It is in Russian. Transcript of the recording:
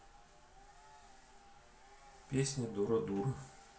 песня дора дура